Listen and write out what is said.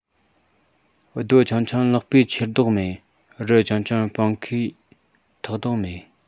རྡོ ཆུང ཆུང ལྷགས པས འཁྱེར དོགས མེད རི ཆུང ཆུང པང ཁས ཐེག དོགས མེད